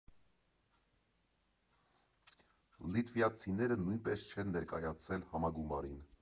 Լիտվացիները նույնպես չեն ներկայացել համագումարին։